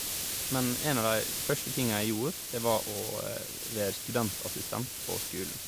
Men en av de første tinga jeg gjorde, det var å være studentassistent på skolen.